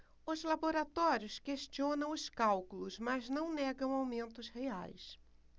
os laboratórios questionam os cálculos mas não negam aumentos reais